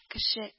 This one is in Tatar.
Кеше